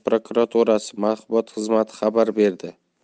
prokuraturasi matbuot xizmati xabar berdi